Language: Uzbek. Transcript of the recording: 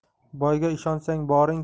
boyga ishonsang boring